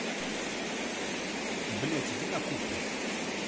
блядь иди на кухню